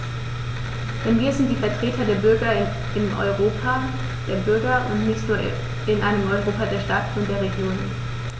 Denn wir sind die Vertreter der Bürger im Europa der Bürger und nicht nur in einem Europa der Staaten und der Regionen.